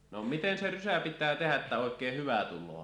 no miten se rysä pitää tehdä että oikein hyvä tulee